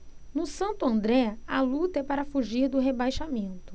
no santo andré a luta é para fugir do rebaixamento